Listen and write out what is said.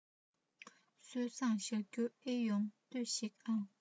སྲོལ བཟང གཞག རྒྱུ ཨེ ཡོང ལྟོས ཤིག ཨང